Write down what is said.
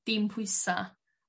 dim pwysa'.